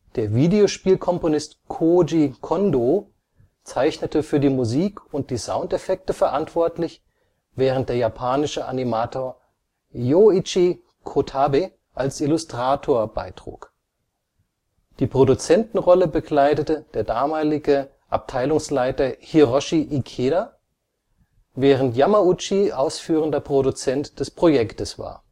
Der Videospielkomponist Kōji Kondō (* 1961) zeichnete für die Musik und die Soundeffekte verantwortlich, während der japanische Animator Yōichi Kotabe (* 1936) als Illustrator beitrug. Die Produzenten-Rolle bekleidete der damalige R&D4-Abteilungsleiter Hiroshi Ikeda (* 1934), während Yamauchi ausführender Produzent des Projektes war